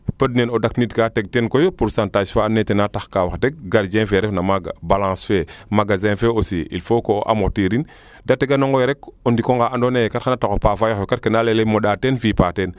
ndaa pod nene o dak niid kaa teg teen koy pourcentage faa ando naye wax deg gardien fee refna maaga balance fee maganzin fee aussi il faut que te teganongo yo rek o ndikonga ando naye xana tax kat o pafay oxe kay keena leyele moɗa teen fiipa teen